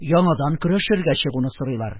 Янадан көрәшергә чыгуны сорыйлар.